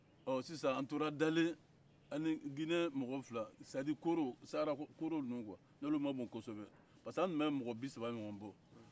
bon sisan an tora dalen ani ginɛyen mɔgɔ fila sahara kooro nunun kuwa n'olu man bon kɔsɛbɛ paresek'an tun bɛ mɔgɔ bisaba bɔ